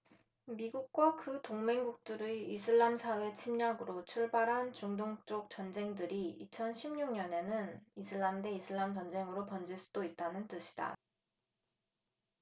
미국과 그 동맹국들의 이슬람사회 침략으로 출발한 중동 쪽 전쟁들이 이천 십 육 년에는 이슬람 대 이슬람 전쟁으로 번질 수도 있다는 뜻이다